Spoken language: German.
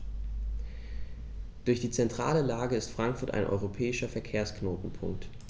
Durch die zentrale Lage ist Frankfurt ein europäischer Verkehrsknotenpunkt.